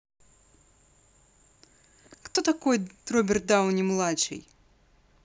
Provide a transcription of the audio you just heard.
кто такой роберт дауни младший